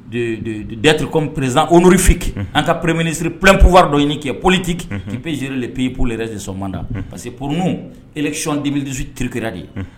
Datteurk prez ofi k an ka pre minisiriri ppfaridɔ ɲini kɛ poliliti k ppzyerere de p peyipipo yɛrɛ desɔnmanda parce que prun ecɔndipdizsu tirikira de ye